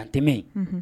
Atɛ